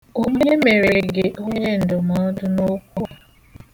Onye mere gị onyendụmọdụ n'okwu a?